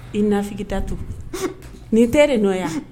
I nafita tu n'i tɛ de nɔgɔya yan